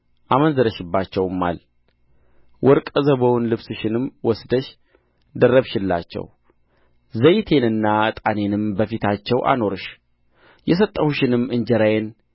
አመንዝረሽባቸውማል ወርቀዘቦውን ልብስሽንም ወስደሽ ደረብሽላቸው ዘይቴንና ዕጣኔንም በፊታቸው አኖርሽ የሰጠሁሽንም እንጀራዬን